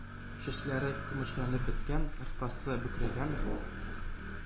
Чәчләре көмешләнеп беткән, аркасы бөкрәйгән,